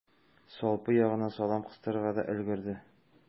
Салпы ягына салам кыстырырга да өлгерде.